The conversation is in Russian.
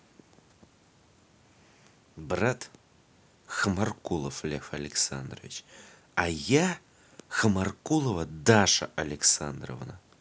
брат хамракулов лев александрович а я хамракулова даша александровна